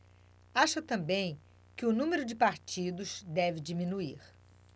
acha também que o número de partidos deve diminuir